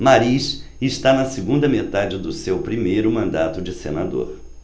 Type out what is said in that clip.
mariz está na segunda metade do seu primeiro mandato de senador